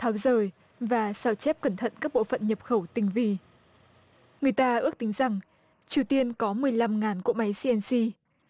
tháo rời và sao chép cẩn thận các bộ phận nhập khẩu tinh vi người ta ước tính rằng triều tiên có mười lăm ngàn cỗ máy xi en xi